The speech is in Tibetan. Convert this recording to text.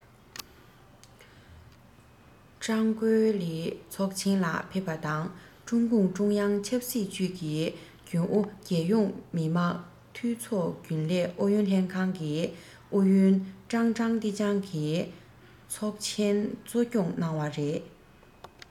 ཀྲང ཀའོ ལི ཚོགས ཆེན ལ ཕེབས པ དང ཀྲུང གུང ཀྲུང དབྱང ཆབ སྲིད ཅུས ཀྱི རྒྱུན ཨུ རྒྱལ ཡོངས མི དམངས འཐུས ཚོགས རྒྱུན ལས ཨུ ཡོན ལྷན ཁང གི ཨུ ཡོན ཀྲང ཀྲང ཏེ ཅང གིས ཚོགས ཆེན གཙོ སྐྱོང གནང བ རེད